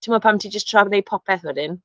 Timod, pan ti jyst trio popeth wedyn?